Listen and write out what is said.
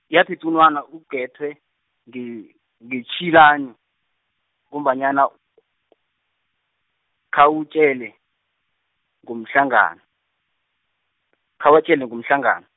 yathi utunwana uGethwe, nge ngetjhilani, ngombanyana , khewutjele, ngomhlangano , khawatjhele ngomhlangano.